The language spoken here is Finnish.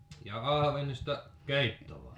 ja ahvenista keitto vai